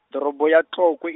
ḓorobo ya Tlokwe.